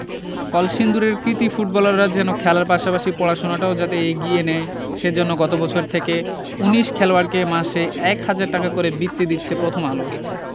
কলসিন্দুরের কৃতী ফুটবলাররা যেন খেলার পাশাপাশি পড়াশোনাটাও যাতে এগিয়ে নেয় সে জন্য গত বছর থেকে ১৯ খেলোয়াড়কে মাসে ১ হাজার টাকা করে বৃত্তি দিচ্ছে প্রথম আলো